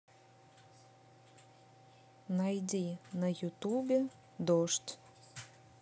найди на ютубе дождь